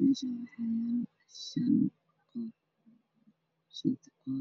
Meeshan uu xayaalo shan wax oo dahab ka sameysan